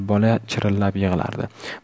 bola chirillab yig'lardi